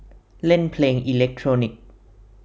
เล่นเพลงอิเลกโทรนิค